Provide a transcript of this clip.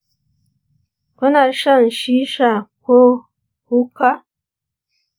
kuna shan shisha ko hookah?